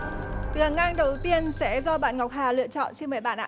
từ hàng ngang đầu tiên sẽ do bạn ngọc hà lựa chọn xin mời bạn ạ